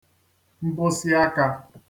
mbusi aka